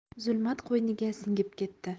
zulmat qo'yniga singib ketdi